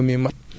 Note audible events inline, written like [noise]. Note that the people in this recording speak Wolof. [hesitation] [hesitation]